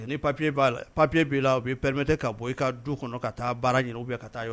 Ni papier ba la papier bi la . O bi permets ka i bɔ i ka du kɔnɔ ka taa baara ɲini oubien ka taa yɔrɔ